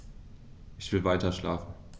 Ich will weiterschlafen.